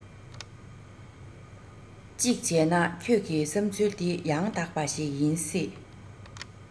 གཅིག བྱས ན ཁྱོད ཀྱི བསམས ཚུལ དེ ཡང དག པ ཞིག ཡིན སྲིད